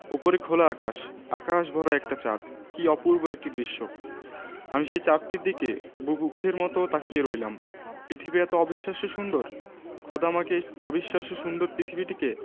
ওপরে খোলা আকাশ সেই আকাশ একটা ভরা চাঁদ কী অপূর্ব একটি দৃশ্য আমি সেই চাঁদটির দিকে বুভুক্ষের মতো তাকিয়ে রইলাম পৃথিবী এতো অবিশ্বাস্য সুন্দর খোদা আমাকে এই অবিশ্বাস্য সুন্দর পৃথিবীটিকে